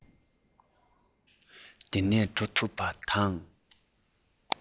འདི ནས འགྲོ ཐུབ པ དང